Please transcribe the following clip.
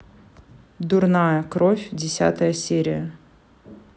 дурная кровь десятая серия